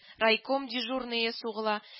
Райком дежурные сугыла